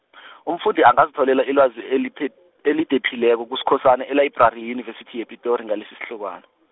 umfundi angazitholela ilwazi eliph- , elidephileko kuSkhosana elayibrari yeyunivesithi yePitori ngalesisihlokwana.